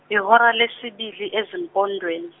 yihora lesibili ezimpondweni.